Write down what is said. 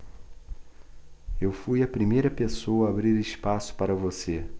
eu fui a primeira pessoa a abrir espaço para você